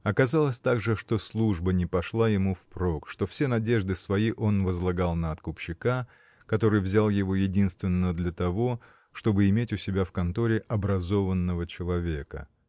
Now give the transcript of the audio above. Оказалось также, что служба но пошла ему впрок, что все надежды свои он возлагал на откупщика, который взял его единственно для того, чтобы иметь у себя в конторе "образованного человека".